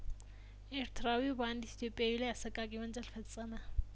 ኤርትራዊው በአንዲት ኢትዮጵያዊት ላይ አሰቃቂ ወንጀል ፈጸመ